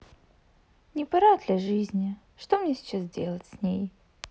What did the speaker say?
не пора для жизни что мне сейчас делать с ней